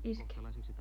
iske